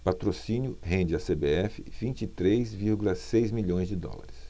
patrocínio rende à cbf vinte e três vírgula seis milhões de dólares